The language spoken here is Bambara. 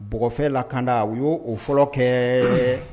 Bɔgɔfɛ la kanda u y' o fɔlɔ kɛ